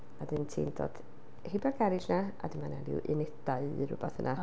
aAwedyn ti'n dod heibio'r garej 'na, a wedyn ma' 'na ryw unedau neu rywbeth yna.